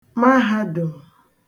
mahādùm